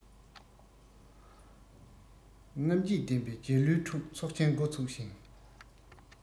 རྔམ བརྗིད ལྡན པའི རྒྱལ གླུའི ཁྲོད ཚོགས ཆེན འགོ ཚུགས ཤིང